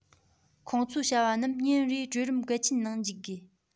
ཁོང ཚོའི བྱ བ རྣམས ཉིན རེའི གྲོས རིམ གལ ཆེན ནང འཇུག དགོས